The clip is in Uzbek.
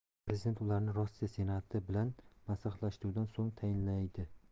prezident ularni rossiya senati bilan maslahatlashuvdan so'ng tayinlaydi